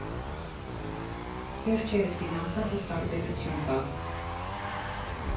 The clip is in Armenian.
Վերջերս իմացա, որ տարբերություն կա։